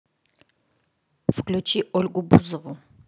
включи ольгу бузову